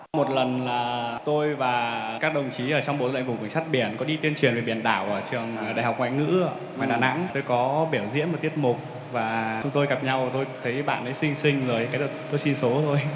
một lần là tôi và các đồng chí ở trong bộ tư lệnh vùng cảnh sát biển có đi tuyên truyền về biển đảo ở trường đại học ngoại ngữ ngoài đà nẵng tôi có biểu diễn một tiết mục và chúng tôi gặp nhau rồi tôi thấy bạn ấy xinh xinh rồi cái là tôi xin số thôi